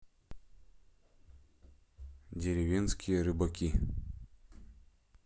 деревенские рыбаки